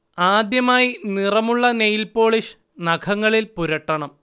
ആദ്യമായി നിറമുള്ള nail polish നഖങ്ങളിൽ പുരട്ടണം